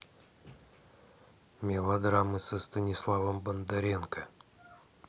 мелодрамы со станиславом бондаренко